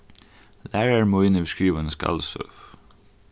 lærari mín hevur skrivað eina skaldsøgu